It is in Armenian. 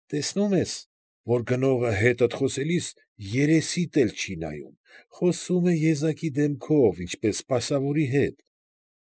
Տեսնում ես, որ գնողը, հետդ խոսելիս, երեսիդ էլ չի նայում, խոսում է եզակի դեմքով, ինչպես սպասավորի հետ։